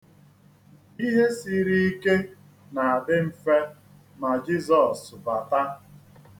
Ihe siri ike na-adị mfe ma Jizọs bata.